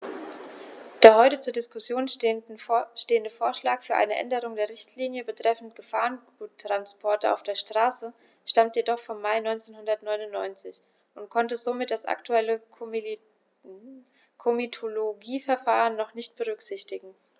Der heute zur Diskussion stehende Vorschlag für eine Änderung der Richtlinie betreffend Gefahrguttransporte auf der Straße stammt jedoch vom Mai 1999 und konnte somit das aktuelle Komitologieverfahren noch nicht berücksichtigen.